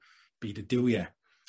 Byd y duwie.